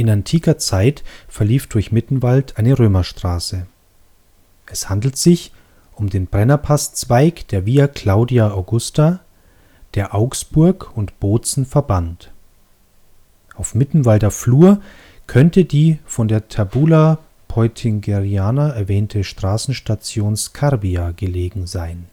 antiker Zeit verlief durch Mittenwald eine Römerstraße. Es handelt sich um den Brennerpass-Zweig der Via Claudia Augusta, der Augsburg (Augusta Vindelicum) und Bozen (Pons Drusi) verband. Auf Mittenwalder Flur könnte die von der Tabula Peutingeriana erwähnte Straßenstation Scarbia gelegen sein